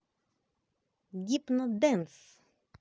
гипно денс